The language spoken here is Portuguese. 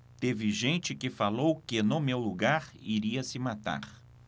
teve gente que falou que no meu lugar iria se matar